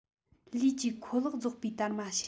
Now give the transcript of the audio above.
ལུས ཀྱི ཁོ ལག རྫོགས པའི དར མ ཞིག